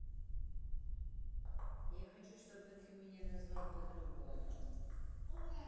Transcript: я хочу чтобы ты назвала меня по другому